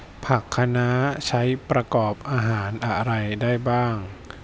ผักคะน้าใช้ประกอบอาหารอะไรได้บ้าง